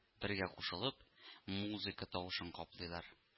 Бергә кушылып, музыка тавышын каплыйлар